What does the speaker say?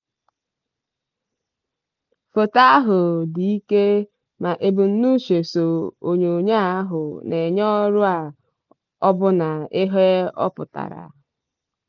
"Foto ahụ dị ike, ma ebumnuche so onyonyo ahụ na-enye ọrụ a ọbụna ihe ọ pụtara.